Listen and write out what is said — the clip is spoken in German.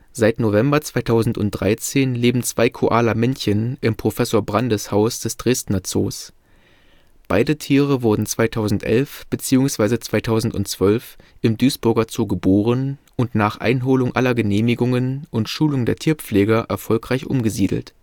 Seit November 2013 leben zwei Koala-Männchen im Prof.-Brandes-Haus des Dresdner Zoos. Beide Tiere wurden 2011 bzw. 2012 im Duisburger Zoo geboren und nach Einholung aller Genehmigungen und Schulung der Tierpfleger erfolgreich umgesiedelt